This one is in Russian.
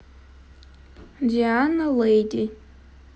диана lady